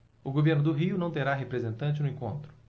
o governo do rio não terá representante no encontro